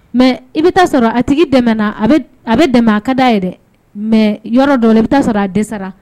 Mais i bi taa sɔrɔ a tigi dɛmɛɛna. A bi dɛmɛ a ka da ye dɛ. Mais yɔrɔ dɔ la i bi taa sɔrɔ a dɛsɛ ra.